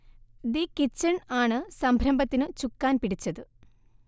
'the kitchen' ആണ് സംരംഭത്തിന് ചുക്കാൻ പിടിച്ചത്